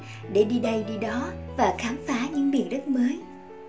để đi đây đi đó và khám phá những miền đất mới